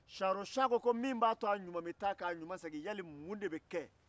siyanro schɔn ko yali mun de bɛ kɛ min b'a to a ɲuman bɛ taa k'a ɲuman segin